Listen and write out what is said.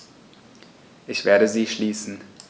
Ich werde sie schließen.